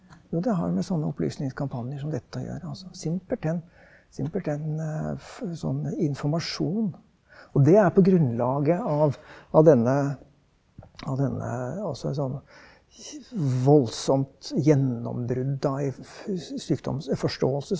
jo det har med sånne opplysningskampanjer som dette å gjøre, altså simpelthen simpelthen sånn informasjon og det er på grunnlaget av av denne av denne altså sånn voldsomt gjennombrudd da i sykdomsforståelse,